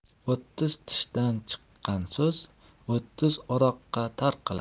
o'ttiz tishdan chiqqan so'z o'ttiz uruqqa tarqalar